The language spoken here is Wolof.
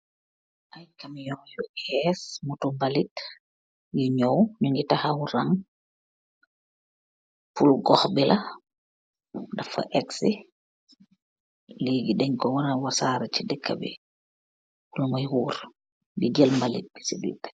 Iiiiy camion yu ess motor mbalit, yu njow njungy takhaw rang pur gog bi la, dafa eksi, legy dengh kor wara waasarah chi dekah bii, pur mui worre di jeul mbalit bi ci birr deu